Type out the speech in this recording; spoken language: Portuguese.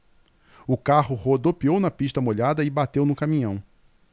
o carro rodopiou na pista molhada e bateu no caminhão